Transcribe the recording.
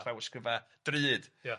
Llawysgrifau drud... Ia.